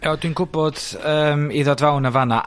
Ew dwi'n gwbod yym i ddod fewn yn fan 'na,